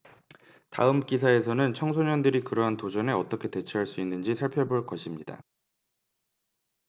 다음 기사에서는 청소년들이 그러한 도전에 어떻게 대처할 수 있는지 살펴볼 것입니다